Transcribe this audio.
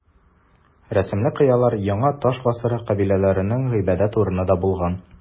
Рәсемле кыялар яңа таш гасыры кабиләләренең гыйбадәт урыны да булган.